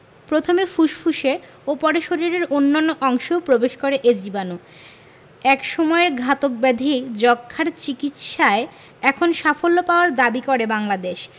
প্রথমে ফুসফুসে ও পরে শরীরের অন্য অংশেও প্রবেশ করে এ জীবাণু একসময়ের ঘাতক ব্যাধি যক্ষ্মার চিকিৎসায় এখন সাফল্য পাওয়ার দাবি করে বাংলাদেশ